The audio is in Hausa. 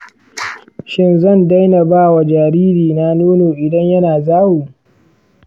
shin zan daina ba wa jinjirina nono idan yana zawo?